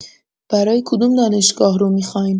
برا کدوم دانشگاه رو می‌خواین؟